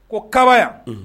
Ko Kaba yan unhun